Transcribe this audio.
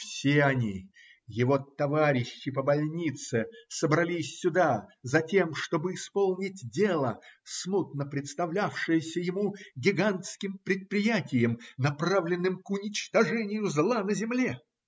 Все они, его товарищи по больнице, собрались сюда затем, чтобы исполнить дело, смутно представлявшееся ему гигантским предприятием, направленным к уничтожению зла на земле.